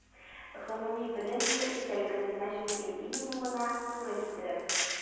Гомуми белем бирү эчтәлегенең мәҗбүри минимумына туры китереп